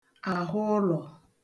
àhụụlọ̀